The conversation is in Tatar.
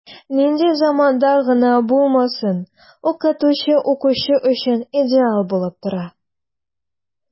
Нинди заманда гына булмасын, укытучы укучы өчен идеал булып тора.